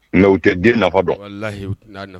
Mɛ u tɛ den nafakɔ dɔn